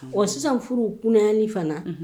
Ɔ sisan furu kunyali fana